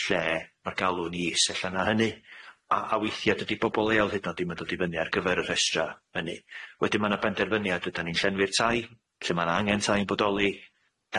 lle ma'r galw'n is ella na hynny a a weithia dydi bobol leol hyd yn o'd ddim yn dod i fyny ar gyfer y rhestra hynny wedyn ma' na benderfyniad ydan ni'n llenwi'r tai lle ma' na angen tai'n bodoli,